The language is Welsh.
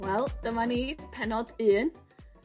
Wel, dyma ni pennod un